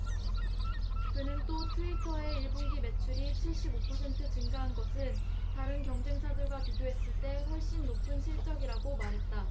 그는 또 트위터의 일 분기 매출이 칠십 오 퍼센트 증가한 것은 다른 경쟁사들과 비교했을 때 훨씬 높은 실적이라고 말했다